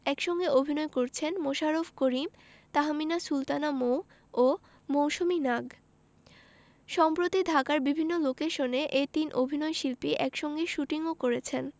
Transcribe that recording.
একসঙ্গে অভিনয় করছেন মোশাররফ করিম তাহমিনা সুলতানা মৌ ও মৌসুমী নাগ সম্প্রতি ঢাকার বিভিন্ন লোকেশনে এ তিন অভিনয়শিল্পী একসঙ্গে শুটিংও করেছেন